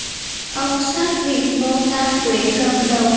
ông xác định ngô tam quế cầm đầu